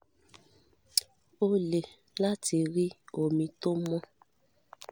Ó le láti rí omi tó mọ́.